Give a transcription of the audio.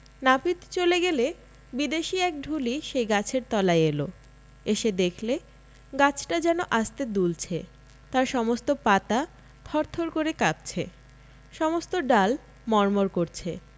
নাপিত চলে গেলে বিদেশী এক ঢুলি সেই গাছের তলায় এল এসে দেখলে গাছটা যেন আস্তে দুলছে তার সমস্ত পাতা থরথর করে কাঁপছে সমস্ত ডাল মড়মড় করছে